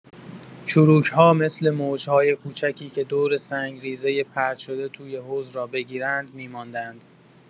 چروک‌ها مثل موج‌های کوچکی که دور سنگ‌ریزۀ پرت‌شده توی حوض را بگیرند می‌ماندند.